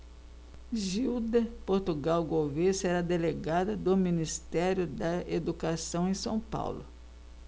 gilda portugal gouvêa será delegada do ministério da educação em são paulo